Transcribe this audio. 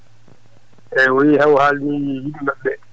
eeyi wi kay o haalni yimɓe maɓɓe ɓee